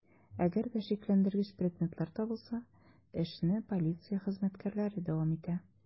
Әгәр дә шикләндергеч предметлар табылса, эшне полиция хезмәткәрләре дәвам итә.